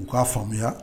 U k'a faamuya